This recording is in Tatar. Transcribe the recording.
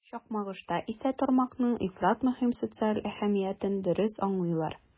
Чакмагышта исә тармакның ифрат мөһим социаль әһәмиятен дөрес аңлыйлар.